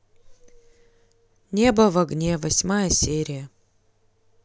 небо в огне восьмая серия